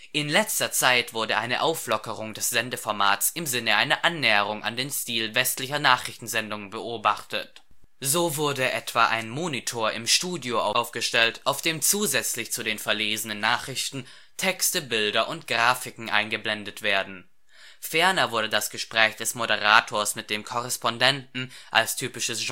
In letzter Zeit wurde eine Auflockerung des Sendeformats im Sinne einer Annäherung an den Stil westlicher Nachrichtensendungen beobachtet. So wurde etwa ein Monitor im Studio aufgestellt, auf dem zusätzlich zu den verlesenen Nachrichten Texte, Bilder und Grafiken eingeblendet werden. Ferner wurde das Gespräch des Moderators mit dem Korrespondenten als typisches